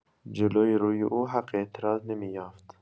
جلوی روی او، حق اعتراض نمی‌یافت.